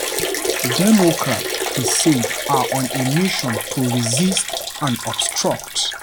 Democrats, he said, are on a mission to "resist and obstruct."